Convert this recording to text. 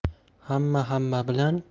hamma hamma bilan